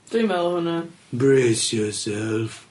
Dwi meddwl hwnna. Brace yourself.